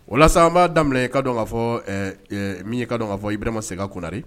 O la an bba daminɛ i ka don ka fɔ min ka kaa fɔ i bɛna ma se ka kunnari